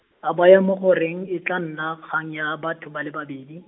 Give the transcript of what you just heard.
a baya mo go reng e tla nna kgang ya batho ba le babedi.